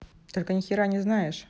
только нихера не знаешь